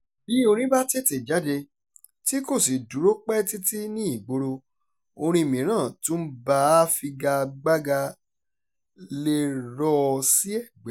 Bí orín bá tètè jáde, tí kò sí dúró pẹ́ títí ní ìgboro, orin mìíràn tí ó ń bá a figagbága lè rọ́ ọ sí ẹ̀gbẹ́.